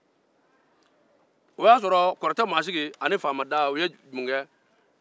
o y' a sɔrɔ kɔrɔtɛmaasigi ni faama daa y e mun kɛ